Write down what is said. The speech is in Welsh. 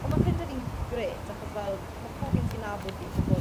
on' ma' ffrindie fi'n grêt achos fel ma' pob un sy'n nabod fi'n gwbod